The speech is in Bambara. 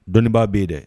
Dɔnnibaa b bɛ yen dɛ